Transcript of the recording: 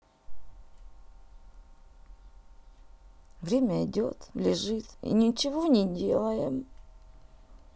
время идет лежит и ничего не делаем